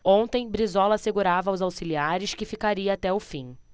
ontem brizola assegurava aos auxiliares que ficaria até o fim